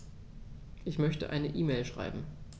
Ich möchte eine E-Mail schreiben.